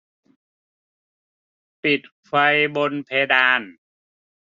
ปิดไฟบนเพดาน